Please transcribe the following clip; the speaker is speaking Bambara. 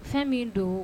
Fɛn min don